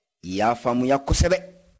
i y'a faamuya kosɛbɛ